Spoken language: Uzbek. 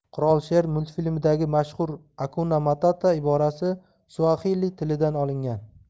qirol sher multfilmidagi mashhur akuna matata iborasi suaxili tilidan olingan